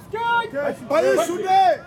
Sikeyi, Bayusu den